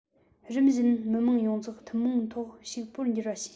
རིམ བཞིན མི དམངས ཡོངས རྫོགས ཐུན མོང ཐོག ཕྱུག པོར འགྱུར བ བྱེད